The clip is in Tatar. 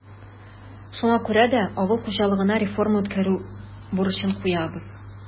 Шуңа күрә дә авыл хуҗалыгына реформа үткәрү бурычын куябыз.